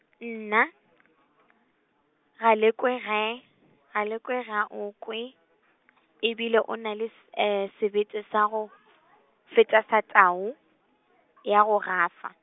nna , Galekwe ge, Galekwe ga o kwe , e bile o na le s- sebete sa go, feta sa tau, ya go gafa.